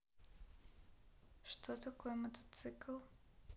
что такое мотоцикл